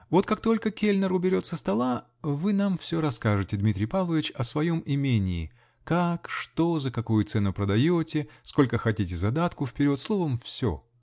Вот как только кельнер уберет со стола, вы нам все расскажете, Дмитрий Павлович, о своем имении -- как, что, за какую цену продаете, сколько хотите задатку вперед, -- словом, все!